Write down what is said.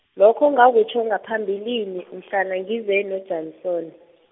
lokho ngakutjho naphambilini , mhlana ngize noJanson.